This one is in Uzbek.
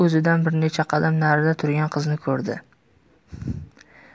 o'zidan bir necha qadam narida turgan qizni ko'rdi